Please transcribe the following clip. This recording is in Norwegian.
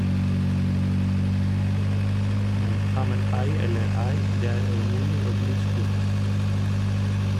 Men hammerhai eller ei - det er umulig å bli skuffet.